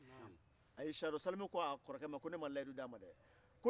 siyanro salimu ko kɔrɔkɛ ma ko ne ma layidu di a ma dɛ